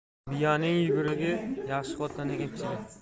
biyaning yugurigi yaxshi xotinning epchili